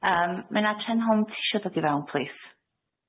Yym ma' na Prenhont isio dod i fewn plîs.